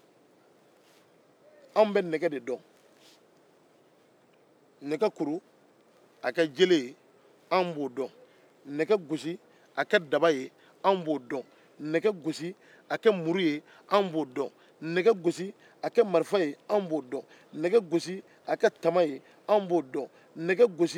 anw bɛ se ka nɛgɛ kuru k'a kɛ muru ye anw bɛ se ka nɛgɛ gosi k'a kɛ marifa ye ka nɛgɛ gosi k' a kɛ tama ye anw b'o dɔn ka nɛgɛ gosi k'a kɛ npanmuru ye anw b'o dɔn